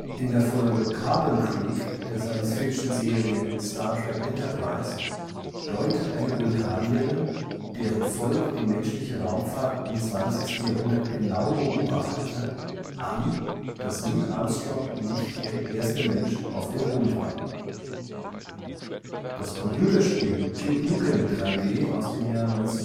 In der Folge Carbon Creek der SciFi-Serie Star Trek: Enterprise deutet eine Vulkanierin, deren Volk die menschliche Raumfahrt im 20. Jahrhundert genau beobachtete, an, dass Neil Armstrong nicht der erste Mensch auf dem Mond war. Das Computerspiel Duke Nukem 3D (1996